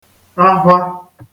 akwā